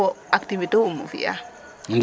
activiter fum o fi'aa